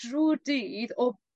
drw'r dydd o